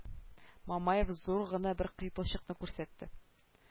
Мамаев зур гына бер кыйпылчыкны күрсәтте